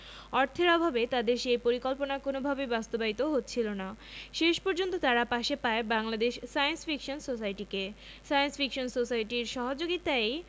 অর্থের অভাবে তাদের সেই পরিকল্পনা কোনওভাবেই বাস্তবায়িত হচ্ছিল না শেষ পর্যন্ত তারা পাশে পায় বাংলাদেশ সায়েন্স ফিকশন সোসাইটিকে সায়েন্স ফিকশন সোসাইটির সহযোগিতায়ই